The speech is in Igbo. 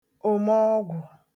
òmeọgwụ̀